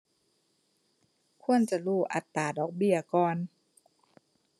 ควรจะรู้อัตราดอกเบี้ยก่อน